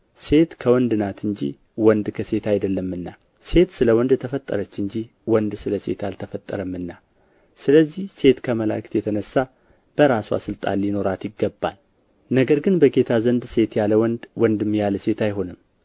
ሴት ከወንድ ናት እንጂ ወንድ ከሴት አይደለምና ሴት ስለ ወንድ ተፈጠረች እንጂ ወንድ ስለ ሴት አልተፈጠረምና ስለዚህ ሴት ከመላእክት የተነሣ በራስዋ ሥልጣን ሊኖራት ይገባል ነገር ግን በጌታ ዘንድ ሴት ያለ ወንድ ወንድም ያለ ሴት አይሆንም